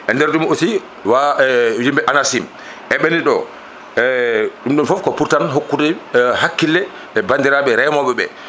e nder ɗum aussi wa yimɓe ANACIM eɓeni ɗo e ɗum ɗon foof ko pour tan hokkude hakkille e bandiraɓe reemoɓeɓe